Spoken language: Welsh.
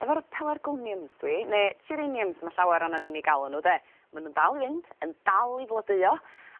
Efo'r pelargoniums dwi ne' geraniums ma' llawer onnon ni'n 'u galw n'w 'de ma' nw'n dal i fynd yn dal i flodeuo